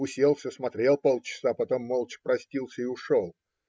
Уселся, смотрел полчаса, потом молча простился и ушел.